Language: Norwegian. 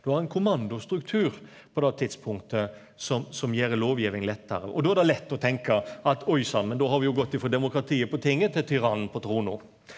du har ein kommandostruktur på det tidspunktet som som gjer lovgjeving lettare og då er det lett å tenka at oi sann men då har vi jo gått ifrå demokratiet på tinget til tyrannen på trona.